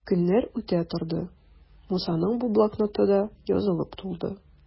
Көннәр үтә торды, Мусаның бу блокноты да язылып тулды.